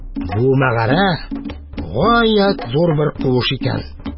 Бу мәгарә гаять зур бер куыш икән.